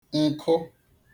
nkụ